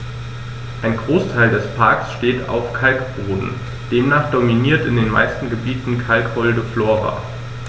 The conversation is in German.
Ein Großteil des Parks steht auf Kalkboden, demnach dominiert in den meisten Gebieten kalkholde Flora.